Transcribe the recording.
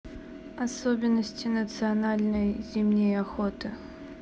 особенности национальной зимней охоты